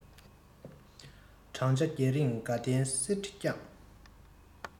བགྲང བྱ བརྒྱད རིང དགའ ལྡན གསེར ཁྲི བསྐྱངས